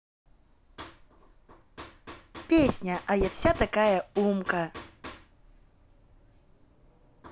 песня а я вся такая умка